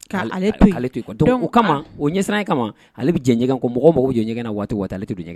K' ale ale o kama o ɲɛ siran kama ale bɛ jɛ ɲɛ kan mɔgɔ mako bɛ ɲɛgɛn na waati wa taa ale tɛ ɲɛ